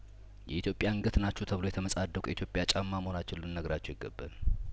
የኢትዮጵያ አንገት ናችሁ ተብለው የተመጻደቁ የኢትዮጵያ ጫማ መሆናቸውን ልንነግራቸው ይገባል